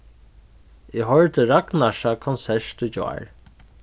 eg hoyrdi ragnarsa konsert í gjár